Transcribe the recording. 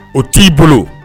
O t'i bolo